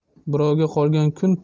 birovga qolgan kun